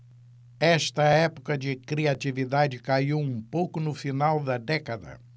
esta época de criatividade caiu um pouco no final da década